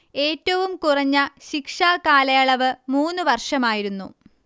ഏറ്റവും കുറഞ്ഞ ശിക്ഷാ കാലയളവ് മൂന്നു വർഷമായിരുന്നു